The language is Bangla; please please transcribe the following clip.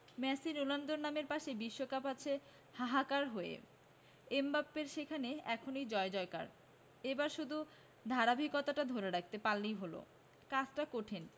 মেসি রোনালদোর নামের পাশে বিশ্বকাপ আছে হাহাকার হয়ে এমবাপ্পের সেখানে এখনই জয়জয়কার এবার শুধু ধারাবাহিকতাটা ধরে রাখতে পারলেই হলো কাজটা কঠিন